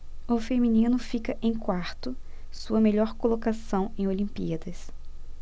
o feminino fica em quarto sua melhor colocação em olimpíadas